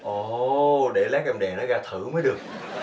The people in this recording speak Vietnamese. ồ để lát em đè nó ra thử mới được